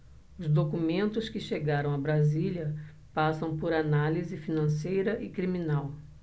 os documentos que chegaram a brasília passam por análise financeira e criminal